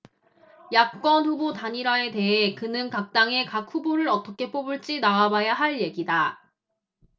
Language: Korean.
야권후보 단일화에 대해 그는 각당의 각 후보를 어떻게 뽑을지 나와봐야 할 얘기다